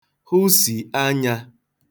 hụsì anyā